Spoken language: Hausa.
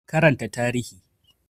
Karanta Tarihi